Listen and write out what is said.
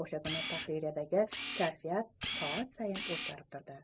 o'sha kuni tahririyadagi kayfiyat soat sayin o'zgarib turdi